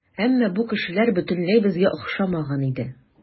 Әмма бу кешеләр бөтенләй безгә охшамаган иде.